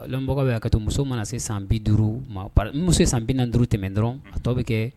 N bankebagaw ka hakɛto ,muso mana se san 50 muso san 45 tɛmɛn dɔrɔn a tɔ bɛ kɛ